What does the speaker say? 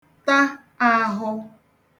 ta àhụ